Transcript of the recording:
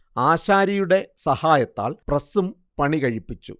ആശാരിയുടെ സഹായത്താൽ പ്രസ്സും പണികഴിപ്പിച്ചു